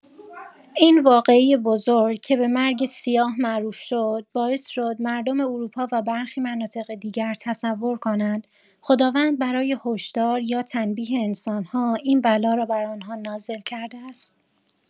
این واقعه بزرگ که به مرگ سیاه معروف شد، باعث شد مردم اروپا و برخی مناطق دیگر تصور کنند خداوند برای هشدار یا تنبیه انسان‌ها این بلا را بر آنها نازل کرده است.